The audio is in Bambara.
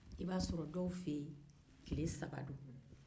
i b'a sɔrɔ tile saba don dɔw fɛ yen